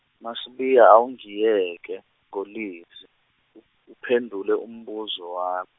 MaSibiya awungiyeke, ngoLizzy, uphendule umbuzo wami.